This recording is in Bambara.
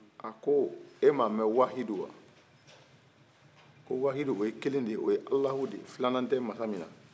a ko e ma mɛn wahidu wa o ye kelen de ye filanan tɛ masa min na